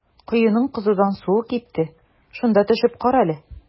Коеның кызудан суы кипте, шунда төшеп кара әле.